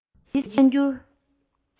རྒྱལ སྤྱིའི གསར འགྱུར